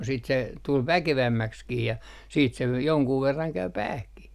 sitten se tuli väkevämmäksikin ja sitten se jonkun verran kävi päähänkin